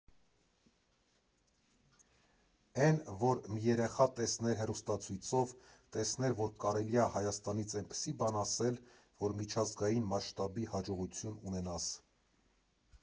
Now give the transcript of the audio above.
Էն, որ մի երեխա տեսներ հեռուստացույցով, տեսներ, որ կարելի ա Հայաստանից էնպիսի բան անել, որ միջազգային մասշտաբի հաջողություն ունենաս։